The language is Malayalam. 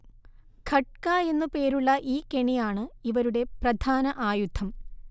'ഖട്ക' എന്നു പേരുള്ള ഈ കെണിയാണ് ഇവരുടെ പ്രധാന ആയുധം